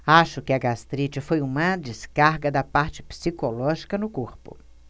acho que a gastrite foi uma descarga da parte psicológica no corpo